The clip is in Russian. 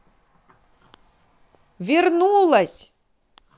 вернулась